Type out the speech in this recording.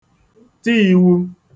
ti īwū